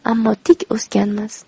ammo tik o'sganmas